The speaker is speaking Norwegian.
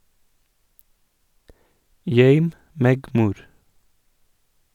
"Gøym meg mor".